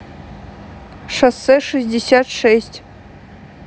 шоссе шестьдесят шесть